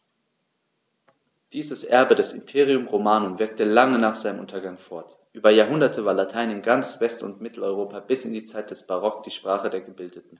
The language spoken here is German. Dieses Erbe des Imperium Romanum wirkte lange nach seinem Untergang fort: Über Jahrhunderte war Latein in ganz West- und Mitteleuropa bis in die Zeit des Barock die Sprache der Gebildeten.